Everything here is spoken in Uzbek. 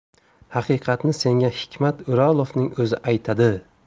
haqiqatni senga hikmat o'rolovning o'zi aytadi